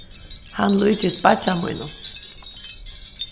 hann líkist beiggja mínum